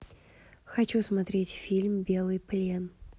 хочу смотреть фильм белый плен